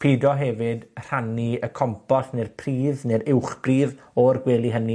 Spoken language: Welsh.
Pido hefyd rhannu y compos ne'r pridd ne'r uwchbridd o'r gwely hynny